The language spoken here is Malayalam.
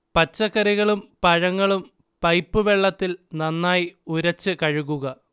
പച്ചക്കറികളും പഴങ്ങളും പൈപ്പ് വെള്ളത്തിൽ നന്നായി ഉരച്ച് കഴുകുക